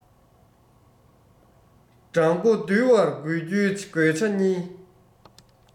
དགྲ མགོ འདུལ བར དགོས རྒྱུའི དགོས ཆ གཉིས